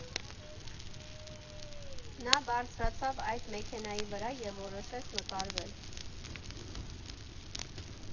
Նա բարձրացավ այդ մեքենայի վրա և որոշեց նկարվել։